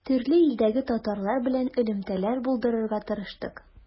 Төрле илдәге татарлар белән элемтәләр булдырырга тырыштык.